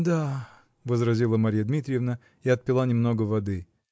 -- Да, -- возразила Марья Дмитриевна и отпила немного воды.